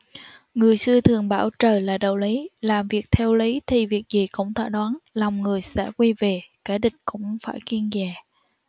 người xưa thường bảo trời là đạo lí làm việc theo lí thì việc gì cũng thỏa đáng lòng người sẽ quy về kẻ địch cũng phải kiêng dè